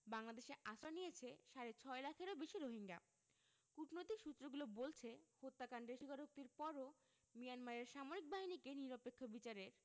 বাংলাদেশে আশ্রয় নিয়েছে সাড়ে ছয় লাখেরও বেশি রোহিঙ্গা কূটনৈতিক সূত্রগুলো বলছে হত্যাকাণ্ডের স্বীকারোক্তির পরও মিয়ানমারের সামরিক বাহিনীকে নিরপেক্ষ বিচারের